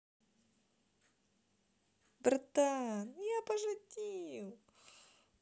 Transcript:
братан я пошутил